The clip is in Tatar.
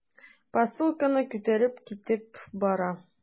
Посылканы күтәреп китеп бара.